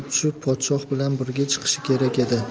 tushib podshoh bilan birga chiqishi kerak edi